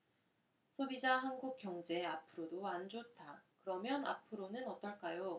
소비자들 한국 경제 앞으로도 안 좋다그러면 앞으로는 어떨까요